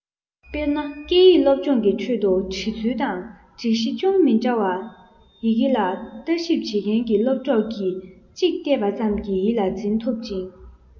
དཔེར ན སྐད ཡིག སློབ སྦྱོང གི ཁྲོད དུ འབྲི ཚུལ དང སྒྲིག གཞི ཅུང མི འདྲ བའི ཡི གེ ལ ལྟ ཞིབ བྱེད མཁས པའི སློབ གྲོགས ཀྱིས གཅིག བལྟས པ ཙམ གྱིས ཡིད ལ འཛིན ཐུབ ཅིང